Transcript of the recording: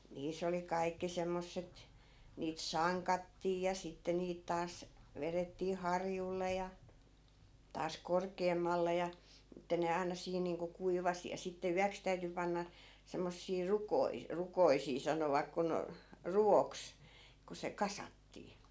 niissä oli kaikki semmoiset niitä sankattiin ja sitten niitä taas vedettiin harjulle ja taas korkeammalle ja että ne aina siinä niin kuin kuivasi ja sitten yöksi täytyi panna semmoisia - rukoisia sanovat kun ruvoksi kun se kasattiin